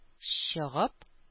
Чыгып